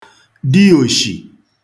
diòsh̀i